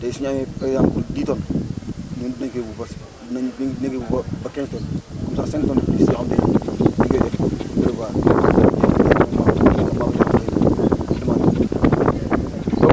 tey su ñu amee par exemple dix tonnes ñu dinañ ko yóbbu ba dinañ dinañ ko yóbbu ba ba quinze tonnes come ça cinq tonnes de plus yoo xam ne dañ koy def prévoir *****